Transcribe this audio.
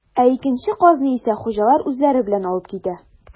Ә икенче казны исә хуҗалар үзләре белән алып китә.